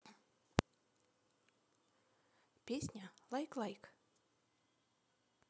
песня лайк лайк